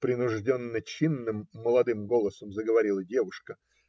- принужденно-чинным молодым голоском заговорила девушка.